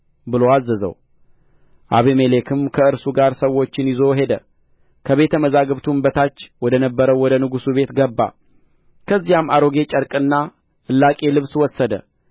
ብሎ አዘዘው አቤሜሌክም ከእርሱ ጋር ሰዎችን ይዞ ሄደ ከቤተ መዛግብቱም በታች ወደ ነበረው ወደ ንጉሥ ቤት ገባ ከዚያም አሮጌ ጨርቅና እላቂ ልብስ ወሰደ